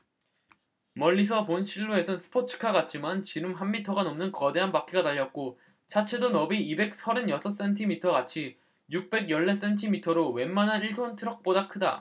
멀리서 본 실루엣은 스포츠카 같지만 지름 한 미터가 넘는 거대한 바퀴가 달렸고 차체도 너비 이백 서른 여섯 센티미터 길이 육백 열 네 센티미터로 웬만한 일 톤 트럭보다 크다